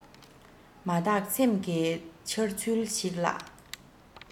མ བརྟགས སེམས ཀྱི འཆར ཚུལ ཞིག ལ